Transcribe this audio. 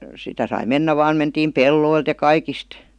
sitä sai mennä vain mentiin pelloilta ja kaikista